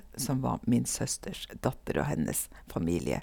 Som var min søsters datter og hennes familie.